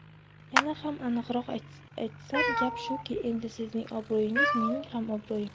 yana ham aniqroq aytsam gap shuki endi sizning obro'yingiz mening ham obro'yim